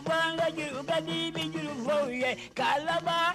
Ko an ka juru kadi n bi juru fɔ u ye k'a labaa